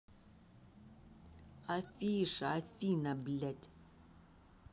афиша афина блядь